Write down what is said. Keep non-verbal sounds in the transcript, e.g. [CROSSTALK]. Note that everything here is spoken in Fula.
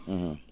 [HESITATION] [HESITATION]